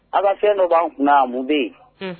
Ala fɛn dɔ b ban kunna mun bɛ yen